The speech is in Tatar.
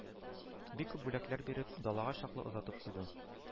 Бик күп бүләкләр биреп, далага чаклы озатып куйды